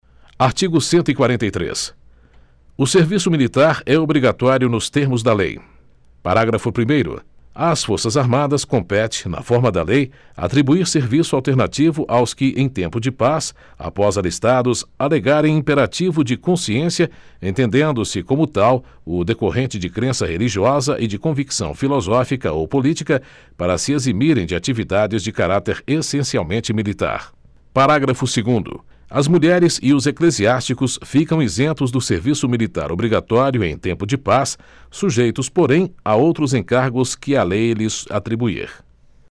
artigo cento e quarenta e três o serviço militar é obrigatório nos termos da lei parágrafo primeiro às forças armadas compete na forma da lei atribuir serviço alternativo aos que em tempo de paz após alistados alegarem imperativo de consciência entendendo se como tal o decorrente de crença religiosa e de convicção filosófica ou política para se eximirem de atividades de caráter essencialmente militar parágrafo segundo as mulheres e os eclesiásticos ficam isentos do serviço militar obrigatório em tempo de paz sujeitos porém a outros encargos que a lei lhes atribuir